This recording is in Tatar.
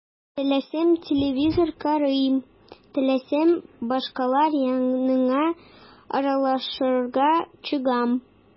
Теләсәм – телевизор карыйм, теләсәм – башкалар янына аралашырга чыгам.